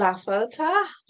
Laff ar y Taff.